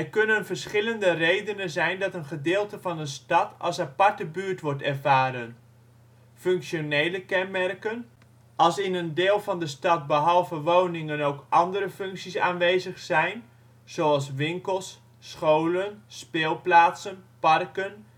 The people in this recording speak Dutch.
kunnen verschillende redenen zijn dat een gedeelte van een stad als aparte buurt wordt ervaren: Functionele kenmerken: als in een deel van de stad behalve woningen ook andere functies aanwezig zijn (zoals winkels, scholen, speelplaatsen, parken